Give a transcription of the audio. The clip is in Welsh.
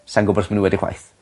sai'n gwbo os ma' n'w wedi chwaith.